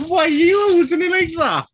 Why are you holding it like that?